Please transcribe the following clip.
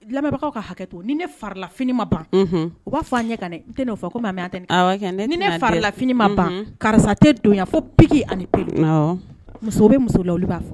Lamɛbagaw ka hakɛ to ni ne farila fini ma ban unhun u b'a fɔ a ɲɛ kan dɛ n te n'o fɔ comme an bɛ antenne kan awɔ kɛ ne tena de ni ne farila fini ma ban unhun karisa te don yan fo pique ani pelle awɔ musow be muso la olu b'a fɔ